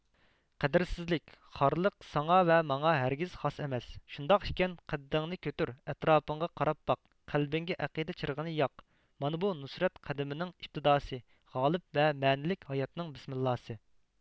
قەدىرسىزلىك خارلىق ساڭا ۋە ماڭا ھەرگىز خاس ئەمەس شۇنداق ئىكەن قەددىڭنى كۆتۈر ئەتراپىڭغا قاراپ باق قەلبىڭگە ئەقىدە چىرىغىنى ياق مانا بۇ نۇسرەت قەدىمىنىڭ ئىپتىداسى غالىپ ۋە مەنىلىك ھاياتنىڭ بىسمىللاسى